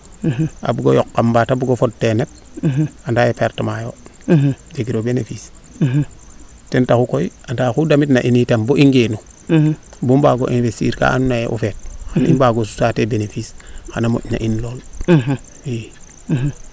a bugo yoq kam faa mba te bugo fod tee net anda ye pertement yoo jegiro benefice ten taxu koy oxu damit na in koy boo i ngeenu bo mbaago investir kaa ando naye o feet xan i mbaago suta atee benefice xana moƴna in lool i